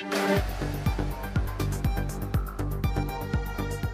Sanunɛ